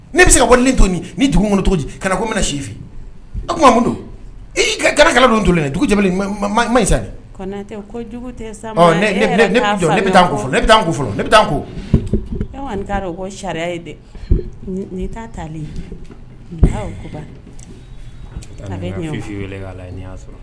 Ne bɛ se ka wali to nin ni dugu cogo ka ko si tuma don ii ka garan don to ma sa ne bɛ taa ne bɛ taa ko ne bɛ taa ko sariya ye dɛ taa